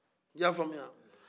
i ye a faamuya